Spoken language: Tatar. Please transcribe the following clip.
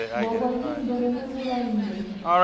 Бабайның борыны була инде.